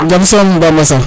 jam som Bab Mbasa